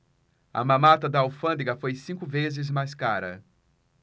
a mamata da alfândega foi cinco vezes mais cara